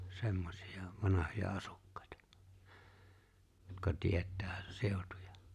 semmoisia vanhoja asukkaita jotka tietää seutuja